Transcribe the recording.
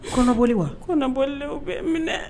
Kɔnɔoli wa ? Kɔnɔboli de ye u bɛɛ minɛ